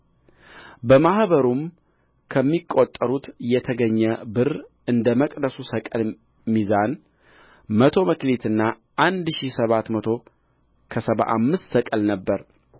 በማኅበሩም ከሚቈጠሩት የተገኘ ብር እንደ መቅደሱ ሰቅል ሚዛን መቶ መክሊትና አንድ ሺህ ሰባት መቶ ከሰባ አምስት ሰቅል ነበረ